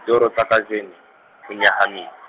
-toro tsa kajeno, ho nyahami-.